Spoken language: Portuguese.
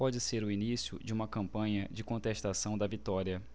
pode ser o início de uma campanha de contestação da vitória